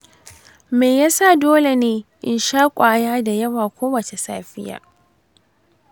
me yasa dole ne in sha kwaya da yawa kowace safiya?